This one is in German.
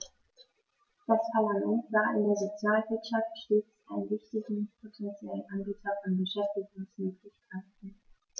Das Parlament sah in der Sozialwirtschaft stets einen wichtigen potentiellen Anbieter von Beschäftigungsmöglichkeiten.